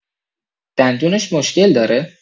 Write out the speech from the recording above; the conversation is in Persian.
دندونش مشکل داره؟